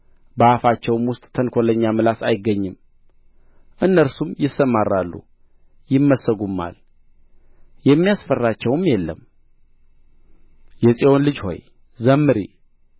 በአፋቸውም ውስጥ ተንኰለኛ ምላስ አይገኝም እነርሱም ይሰማራሉ ይመሰጉማል የሚያስፈራቸውም የለም የጽዮን ልጅ ሆይ ዘምሪ